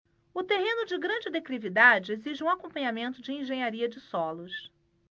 o terreno de grande declividade exige um acompanhamento de engenharia de solos